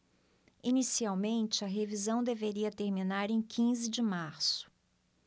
inicialmente a revisão deveria terminar em quinze de março